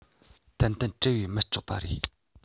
ཏན ཏན བྲེལ བས མི ལྕོགས པ རེད